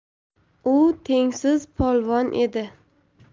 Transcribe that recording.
u tengsiz polvon edi